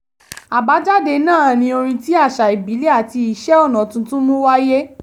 Àbájáde náà ni orin tí àṣà ìbílẹ̀ àti iṣẹ́ ọ̀nà tuntun mú wáyé.